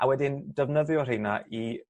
a wedyn defnyddio rheina i